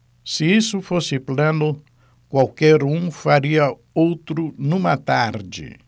se isso fosse plano qualquer um faria outro numa tarde